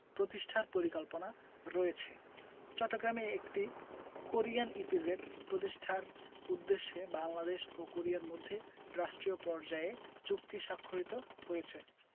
প্রতিষ্ঠার পরিকল্পনা রয়েছে চট্টগ্রামে একটি কোরিয়ান ইপিজেড প্রতিষ্ঠার উদ্দেশ্যে বাংলাদেশ ও কোরিয়ার মধ্যে রাষ্ট্রীয় পর্যায়ে চুক্তি স্বাক্ষরিত হয়েছে